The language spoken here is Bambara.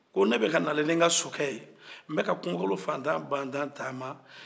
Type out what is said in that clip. ko n bɛkanalen ni n ka sokɛ ye n bɛ ka kungokolon fatan batan taaman